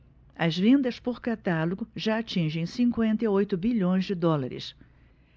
as vendas por catálogo já atingem cinquenta e oito bilhões de dólares